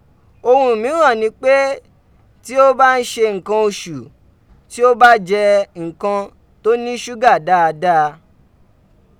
Ohun miran ni pe ti o ba n ṣe nnkan oṣu, ti o ba jẹ nkan to ni ṣuga daadaa.